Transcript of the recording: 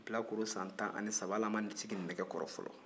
bilakoro san tan ni saba hali a ma sigi nɛgɛkɔrɔ fɔlɔ